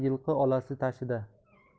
yilqi olasi tashida